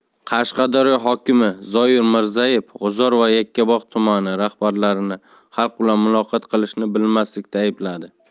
qashqadaryo hokimi zoir mirzayev g'uzor va yakkabog' tumani rahbarlarini xalq bilan muloqot qilishni bilmaslikda aybladi